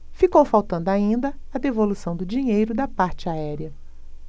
ficou faltando ainda a devolução do dinheiro da parte aérea